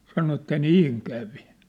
sanoi että niin kävi